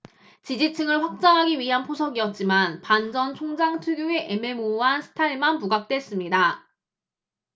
지지층을 확장하기 위한 포석이었지만 반 전 총장 특유의 애매모호한 스타일만 부각됐습니다